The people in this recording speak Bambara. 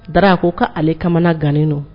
Da a ko'ale kamana gannen don